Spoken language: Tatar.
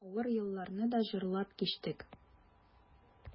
Авыр елларны да җырлап кичтек.